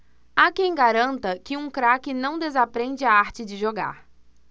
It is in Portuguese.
há quem garanta que um craque não desaprende a arte de jogar